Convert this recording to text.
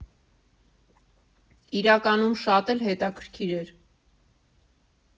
Իրականում, շատ էլ հետաքրքիր էր։